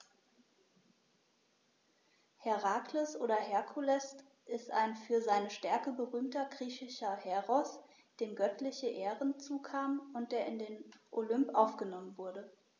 Herakles oder Herkules ist ein für seine Stärke berühmter griechischer Heros, dem göttliche Ehren zukamen und der in den Olymp aufgenommen wurde.